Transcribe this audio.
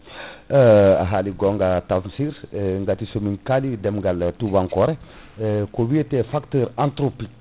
a haali gonga Tamsir gati somin kali demgal tubankore ko wiyete facteur entropique